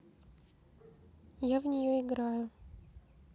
я в нее играю